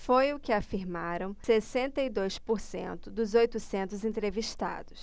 foi o que afirmaram sessenta e dois por cento dos oitocentos entrevistados